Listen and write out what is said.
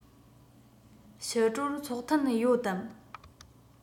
ཕྱི དྲོར ཚོགས ཐུན ཡོད དམ